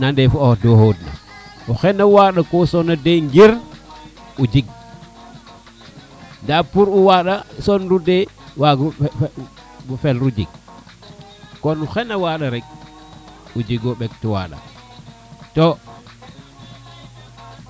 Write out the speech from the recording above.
nande foxe toxod na oxe na wanda ko sona de njir o jeg nda pour o wanda son lu de wagiro jeg kon oxe na wanda rek o jego ɓek to waaɗa to